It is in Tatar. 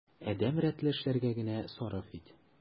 Адәм рәтле эшләргә генә сарыф ит.